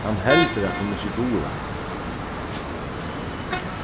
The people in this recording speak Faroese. hann heldur at hon ikki dugir hatta